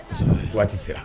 Kɔsɛbɛɛ waati sera